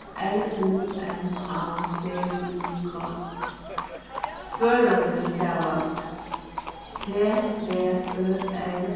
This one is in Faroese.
r u n a v í k tvøroyri stavast t v ø r